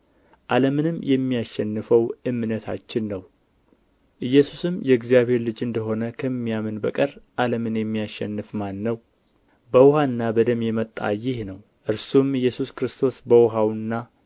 ዓለምንም የሚያሸንፈው እምነታችን ነው ኢየሱስም የእግዚአብሔር ልጅ እንደ ሆነ ከሚያምን በቀር ዓለምን የሚያሸንፍ ማን ነው በውኃና በደም የመጣ ይህ ነው እርሱም ኢየሱስ ክርስቶስ በውኃውና